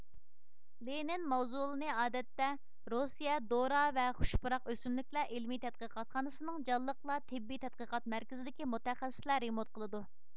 لېنىن ماۋزۇلىنى ئادەتتە روسىيە دورا ۋە خۇش پۇراق ئۆسۈملۈكلەر ئىلمىي تەتقىقاتخانىسىنىڭ جانلىقلار تېببىي تەتقىقات مەركىزىدىكى مۇتەخەسسىسلەر رېمونت قىلىدۇ